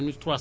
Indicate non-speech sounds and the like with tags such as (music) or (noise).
(hesitation) (hesitation)